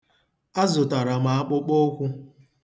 Azụtara m akpụkpụụkwụ.